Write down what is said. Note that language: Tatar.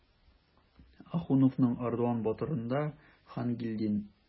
Ахуновның "Ардуан батыр"ында Хангилдин.